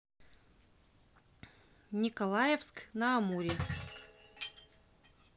николаевск на амуре